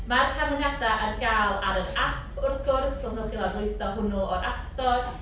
Mae'r canlyniadau ar gael ar yr ap wrth gwrs os wnewch chi lawrlwytho hwnnw o'r App store.